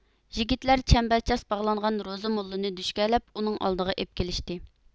يىگىتلەر چەمبەرچاس باغلانغان روزى موللىنى دۆشكەلەپ ئۇنىڭ ئالدىغا ئېلىپ كېلىشتى